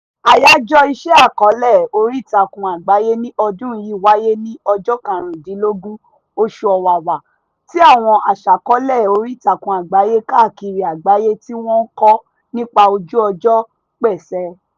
Àyájọ́ Ìṣe àkọọ́lẹ̀ oríìtakùn àgbáyé ní ọdún yìí wáyé ní ọjọ́ 15 oṣù Ọ̀wàwà, tí àwọn aṣàkọọ́lẹ̀ oríìtakùn àgbáyé káàkiri àgbáyé tí wọ́n ń kọ nípa ojú-ọjọ́ pésẹ̀.